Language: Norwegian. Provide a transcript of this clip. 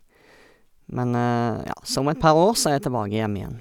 men Ja, så om et par år så er jeg tilbake hjemme igjen.